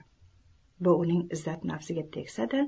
bu uning izzat nafsiga tegsa da